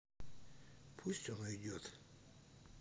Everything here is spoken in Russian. пусть он уйдет